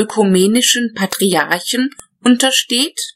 Ökumenischen Patriarchen untersteht